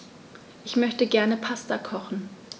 Ich möchte gerne Pasta kochen.